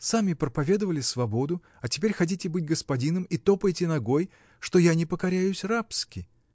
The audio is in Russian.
Сами проповедовали свободу, а теперь хотите быть господином и топаете ногой, что я не покоряюсь рабски.